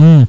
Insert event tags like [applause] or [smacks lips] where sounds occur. [smacks lips]